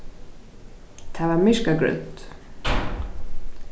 tað var myrkagrønt